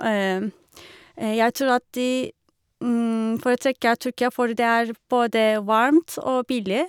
Jeg tror at de foretrekker Tyrkia for det er både varmt og billig.